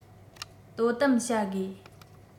དོ དམ བྱ དགོས